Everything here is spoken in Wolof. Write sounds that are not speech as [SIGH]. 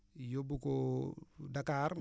yóbbu ko [HESITATION] Dakar